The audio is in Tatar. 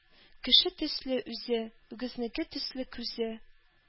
Кеше төсле үзе, үгезнеке төсле күзе,